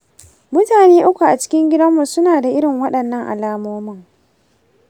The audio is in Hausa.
mutane uku a cikin gidanmu suna da irin waɗannan alamomin.